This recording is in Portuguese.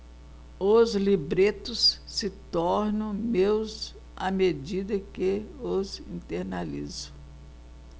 os libretos se tornam meus à medida que os internalizo